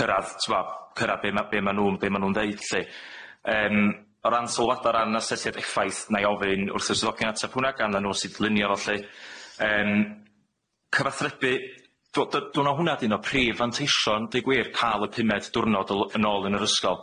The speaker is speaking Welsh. Cyrradd, t'bo' cyrradd be ma' be ma' n'w'n be ma' n''w'n ddeud lly yym o ran sylwada o ran asesiad effaith nâi ofyn wrth y Swyddogion ateb hwnna gan na n'w sy' 'di lunio fo lly. Yym cyfathrebu, dw- dy- dw'a hwnna 'di un o prif fanteision deud gwir ca'l y pumed diwrnod o l- yn ôl yn yr ysgol.